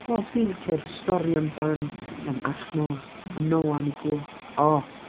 'O dwi'n licio'r stori amdan, yym, arch Noa, am Noa yn ei gwch.' O!